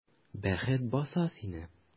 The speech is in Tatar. Бәхет баса сине!